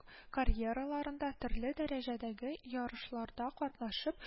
Карьераларында төрле дәрәҗәдәге ярышларда катнашып